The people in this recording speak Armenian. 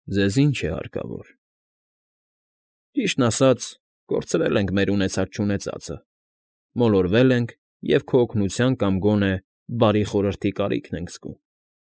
Ձեզ ի՞նչ է հարկավոր։ ֊ Ճիշտն ասած, կորցրել ենք մեր ունեցած֊չունեցածը, մոլորվել ենք և քո օգնության կամ գոնե բարի խորհրդի կարիքն ենք զգում։